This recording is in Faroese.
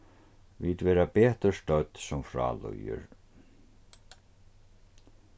vit verða betur stødd sum frá líður